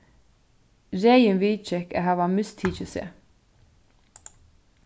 regin viðgekk at hava mistikið seg